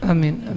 amiin amiin